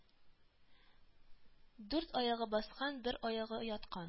Дүрт аягы баскан, Бер аягы яткан